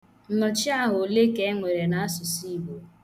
Nnọchiaha ole ka enwere n' Igbo?